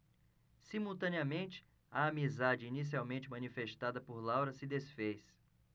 simultaneamente a amizade inicialmente manifestada por laura se disfez